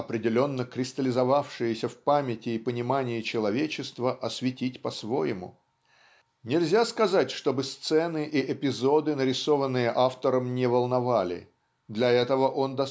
определенно кристаллизовавшиеся в памяти и понимании человечества осветить по-своему. Нельзя сказать чтобы сцены и эпизоды нарисованные автором не волновали для этого он